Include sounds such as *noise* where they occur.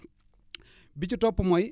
*breath* bi ci topp mooy